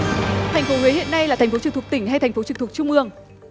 thành phố huế hiện nay là thành phố trực thuộc tỉnh hay thành phố trực thuộc trung ương